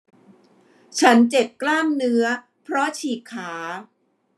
ฉันเจ็บกล้ามเนื้อเพราะฉีกขา